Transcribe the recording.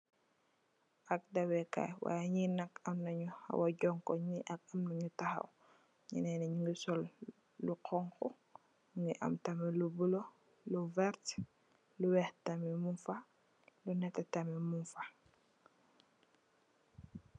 Ak daweh kaii yy njii nak amna nju hawah johnkon, njii ak amna nju takhaw, njenen njii njungy sol lu honhu, mungy am tamit lu bleu, lu vert, lu wekh tamit mung fa, lu nehteh tamit mung fa.